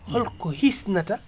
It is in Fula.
holko hisnata